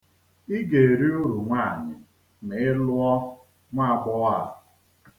I ga-eri uru nwaanyị ma ị lụọ nwaagbọghọ a.